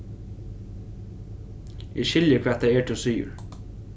eg skilji hvat tað er tú sigur